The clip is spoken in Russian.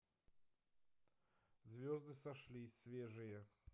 звезды сошлись свежее